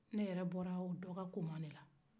ne yɛrɛ bɔra o dɔkakoma de la